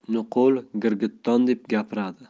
nuqul girgitton deb gapiradi